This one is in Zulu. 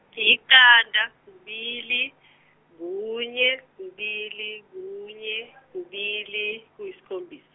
iqanda kubili kunye kubili kunye kubili kuyisikhombisa.